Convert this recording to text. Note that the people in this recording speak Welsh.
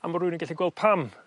A ma' rywun yn gallu gweld pam